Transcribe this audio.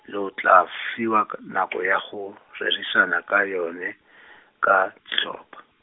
lo tla fiwa k- nako ya go, rerisana ka yone , ka ditlhopha.